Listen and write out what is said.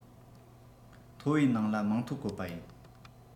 མཐོ བའི ནང ལ མིང ཐོ བཀོད པ ཡིན